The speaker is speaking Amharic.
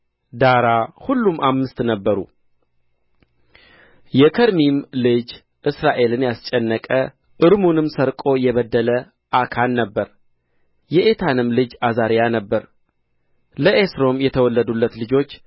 ዳራ ሁሉም አምስት ነበሩ የከርሚም ልጅ እስራኤልን ያስጨነቀ እርሙንም ሰርቆ የበደለ አካን ነበረ የኤታንም ልጅ አዛርያ ነበረ ለኤስሮም የተወለዱለት ልጆች